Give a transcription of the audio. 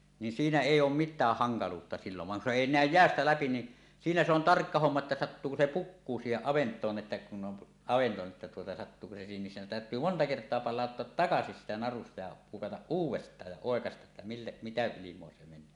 niin siinä ei ole mitään hankaluutta silloin vaan kun se ei näy jäästä läpi niin siinä se on tarkka homma että sattuuko se pukkuu siihen avantoon että kun on avanto että tuota sattuuko se siihen missä on täytyy monta kertaa palauttaa takaisin siitä narusta ja pukata uudestaan ja oikaista että mille mitä ilmaa se menee